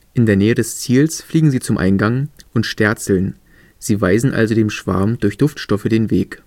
In der Nähe des Ziels fliegen sie zum Eingang und sterzeln, sie weisen also dem Schwarm durch Duftstoffe den Weg